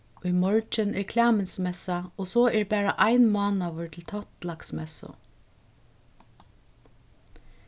í morgin er klæmintsmessa og so er bara ein mánaður til tollaksmessu